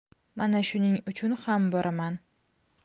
mana shuning uchun ham boraman